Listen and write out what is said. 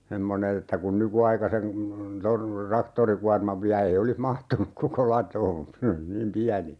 semmoinen että kun nykyaikaisen tuon traktorikuorman vie ei olisi mahtunut koko latoon ne oli niin pieniä